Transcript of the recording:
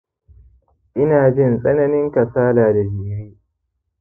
inajin tsananin kasala da jiri